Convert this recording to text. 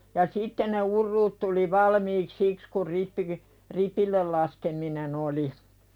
ja sitten ne urut tuli valmiiksi siksi kun - ripille laskeminen oli